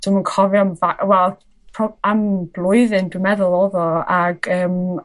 dwm yn cofio am ba yym wel pro- am blwyddyn dwi'n meddwl odd o ag yym